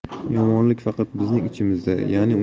yomonlik faqat bizning ichimizda ya'ni